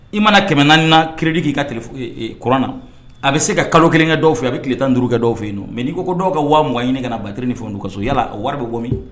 I mana kɛmɛ naaniani na kidi k'i ka k na a bɛ se ka kalo kelenkɛ dɔw fɛ a bɛ tile tan duuruuru kɛ dɔw fɛ yen nɔ nka n' ko dɔw ka waaugan ɲini kana ba kelenri ni fɛ n' ka so yala wari bɛ bɔ min